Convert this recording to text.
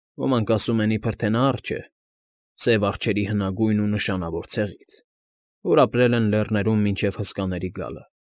Ոմանք ասում են, իբրև թե նա արջ է՝ սև արջերի հնագույն ու նշանավոր ցեղից, որ ապրել են լեռներում մինչև հսկաների գալը։